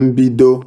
mbido